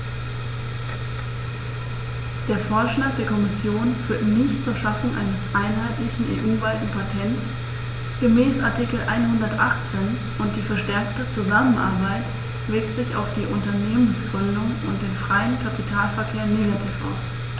Der Vorschlag der Kommission führt nicht zur Schaffung eines einheitlichen, EU-weiten Patents gemäß Artikel 118, und die verstärkte Zusammenarbeit wirkt sich auf die Unternehmensgründung und den freien Kapitalverkehr negativ aus.